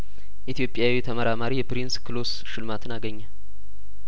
ኢትዮጵያዊ ተመራማሪ የፕሪንስ ክሎስ ሽልማትን አገኘ